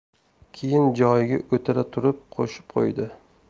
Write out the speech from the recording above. keyin joyiga o'tira turib qo'shib qo'ydi